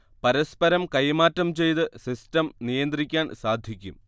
പരസ്പരം കൈമാറ്റം ചെയ്ത് സിസ്റ്റം നിയന്ത്രിക്കാൻ സാധിക്കും